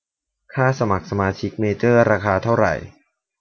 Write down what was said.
ค่าสมัครสมาชิกเมเจอร์ราคาเท่าไหร่